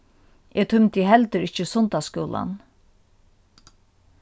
eg tímdi heldur ikki sunnudagsskúlan